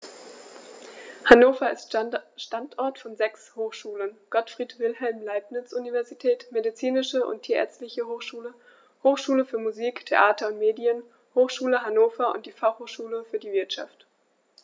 Hannover ist Standort von sechs Hochschulen: Gottfried Wilhelm Leibniz Universität, Medizinische und Tierärztliche Hochschule, Hochschule für Musik, Theater und Medien, Hochschule Hannover und die Fachhochschule für die Wirtschaft.